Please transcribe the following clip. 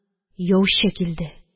Яучы килде.